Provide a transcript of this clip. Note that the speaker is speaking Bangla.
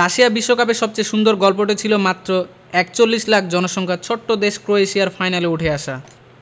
রাশিয়া বিশ্বকাপে সবচেয়ে সুন্দর গল্পটি ছিল মাত্র ৪১ লাখ জনসংখ্যার ছোট্ট দেশ ক্রোয়েশিয়ার ফাইনালে উঠে আসা